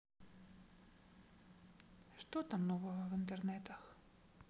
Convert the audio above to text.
что там нового в интернетах